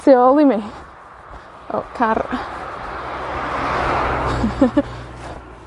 tu ôl i mi, oh car.